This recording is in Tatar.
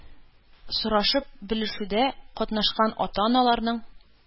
Сорашып-белешүдә катнашкан ата-аналарның